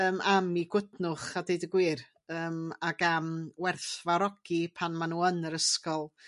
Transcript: yym am 'u gwytnwch a deud y gwir yym ag am werthfawrogi pan ma' nhw yn yr ysgol.